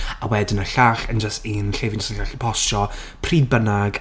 A wedyn y llall yn jyst un lle fi'n jyst yn gallu postio pryd bynnag...